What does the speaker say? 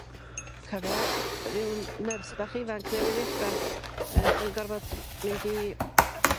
Cofio ryw nyrs bach ifanc newydd ddechra yy yn gorfod mynd i yy